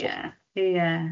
Ie ie.